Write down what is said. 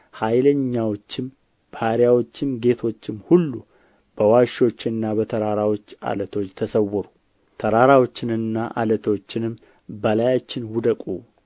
ኃይለኛዎችም ባሪያዎችም ጌቶችም ሁሉ በዋሾችና በተራራዎች ዓለቶች ተሰወሩ ተራራዎችንና ዓለቶችንም በላያችን ውደቁ